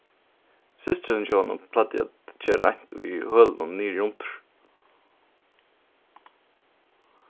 systirin hjá honum plagdi at gera reint í hølunum niðriundir